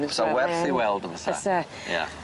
Fysa werth ei weld yn fysa. Fyse. Ia.